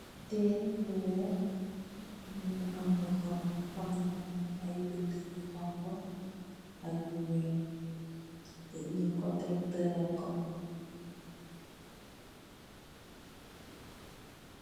Tieré bu weex mu am binda yu honhu ak yu weyh nyu ko tek tedalko.